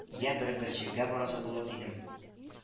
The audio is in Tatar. Йә бер-бер җиргә барасы булыр дидем